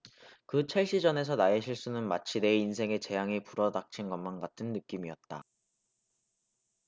그 첼시 전에서 나의 실수는 마치 내 인생에 재앙이 불어닥친 것만 같은 느낌이었다